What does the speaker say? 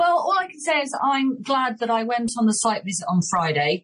Well all I can say is I'm glad that I went on the site visit on Friday.